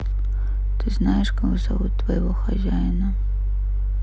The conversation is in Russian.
ты знаешь как зовут твоего хозяина